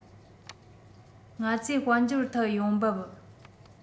ང ཚོས དཔལ འབྱོར ཐད ཡོང འབབ